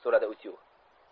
so'radi utyug